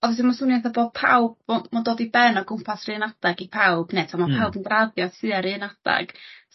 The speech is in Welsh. ma'n swnio eitha bob pawb ma' o'n ma'n dod i ben o gwmpas 'r un adag i pawb ne' t'mo' ma' pawb yn graddio tua'r un adag